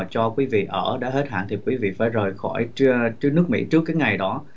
cho quý vị ở đã hết hạn thì quý vị phải rời khỏi trưsc nước mỹ trước cái ngày đó